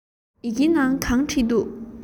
ཡི གེའི ནང ག རེ བྲིས འདུག